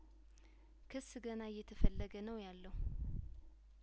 ክስ ገና እየተፈለገ ነው ያለው